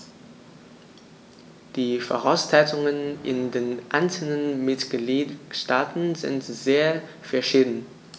Die Voraussetzungen in den einzelnen Mitgliedstaaten sind sehr verschieden.